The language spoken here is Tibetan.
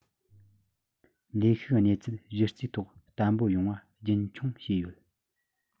ལས ཞུགས གནས ཚུལ གཞི རྩའི ཐོག བརྟན པོ ཡོང བ རྒྱུན འཁྱོངས བྱས ཡོད